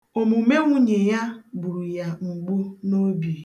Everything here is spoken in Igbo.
Omume nwunye ya gburu ya mgbu n'obi.